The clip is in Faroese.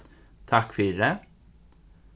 takk fyri